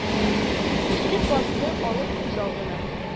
Килеп басты Алып күз алдына